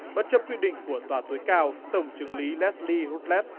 bất chấp quy định của tòa tối cao tổng chưởng lý lét sơ li rút lét